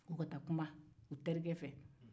u bɛɛ ka kuman u terikɛ fɛ